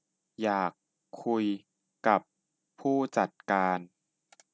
อยากคุยกับผู้จัดการ